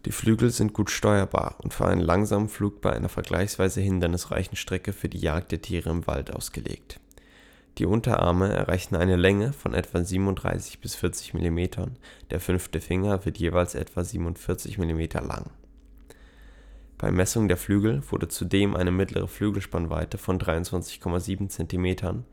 Flügel sind gut steuerbar und für einen langsamen Flug bei einer vergleichsweise hindernisreichen Strecke für die Jagd der Tiere im Wald ausgelegt. Die Unterarme erreichen eine Länge von etwa 37 bis 40 Millimetern, der fünfte Finger wird jeweils etwa 47 Millimeter lang. Bei Messungen der Flügel wurde zudem eine mittlere Flügelspannweite von 23,7 Zentimetern